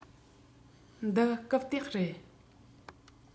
འདི རྐུབ སྟེགས རེད